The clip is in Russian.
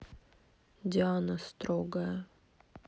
диана строгая